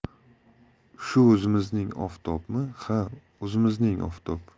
shu o'zimizning oftobmi ha o'zimizning oftob